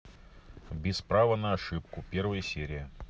без права на ошибку первая серия